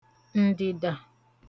ǹdị̀dà